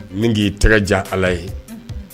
Nin k'i tɛgɛ jan Ala ye